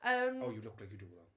Yym. Oh, you look like you do though.